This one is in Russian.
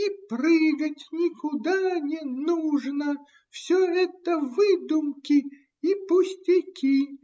И прыгать никуда не нужно – все это выдумки и пустяки